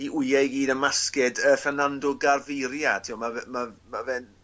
'u wye i gyd ym masged yy Fernando Gaviria t'wod ma' de ma' ma' fe'n